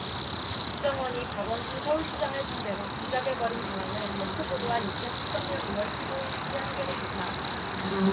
국정원이 박원순 서울시장을 상대로 공작을 벌인 정황을 최초 보도한 이천 십 삼 년 오 월 십 오 일치 한겨레 기사